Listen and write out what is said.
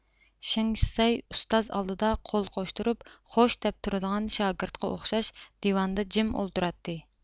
شېڭشىسەي ئۇستاز ئالدىدا قول قوشتۇرۇپ خوش دەپ تۇرىدىغان شاگىرتقا ئوخشاش دىۋاندا جىم ئولتۇراتتى